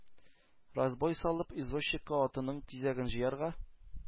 Разбой салып, извозчикка атының тизәген җыярга,